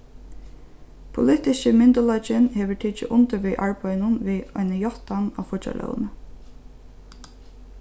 politiski myndugleikin hevur tikið undir við arbeiðinum við eini játtan á fíggjarlógini